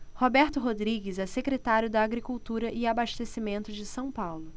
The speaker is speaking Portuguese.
roberto rodrigues é secretário da agricultura e abastecimento de são paulo